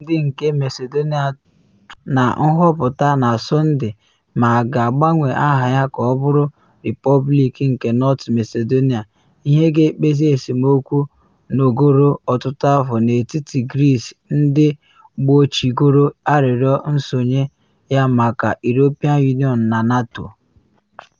Ndị nke Macedonia tulili aka na nhọpụta na Sọnde ma a ga-agbanwe aha ya ka ọ bụrụ “Repọblik nke North Macedonia,” ihe ga-ekpezi esemokwu nọgoro ọtụtụ afọ n’etiti Greece ndị gbochigoro arịrịọ nsonye ya maka European Union na NATO.